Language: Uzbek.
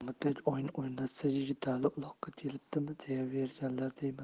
homidbek ot o'ynatsa yigitali uloqqa kelibdi deyaveringlar deyman